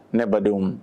Ne badenw